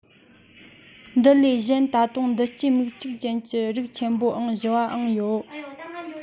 འདི ལས གཞན ད དུང འདུ སྐྱེ མིག གཅིག ཅན གྱི རིགས ཆེན པོ ཨང བཞི བའང ཡོད